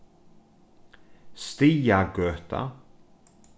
stiðjagøta